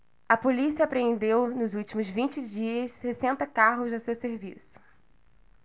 a polícia apreendeu nos últimos vinte dias sessenta carros a seu serviço